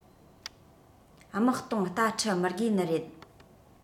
དམག སྟོང རྟ ཁྲི མི དགོས ནི རེད